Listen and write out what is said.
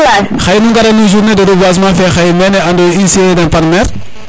xaye nu ngara no journée de reboisement fe xaye men initier ena par maire